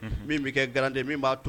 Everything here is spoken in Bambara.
Min bɛ kɛ garan min b'a to